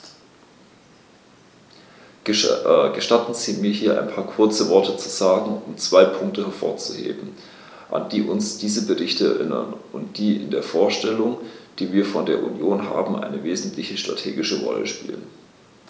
Gestatten Sie mir, hier ein paar kurze Worte zu sagen, um zwei Punkte hervorzuheben, an die uns diese Berichte erinnern und die in der Vorstellung, die wir von der Union haben, eine wesentliche strategische Rolle spielen.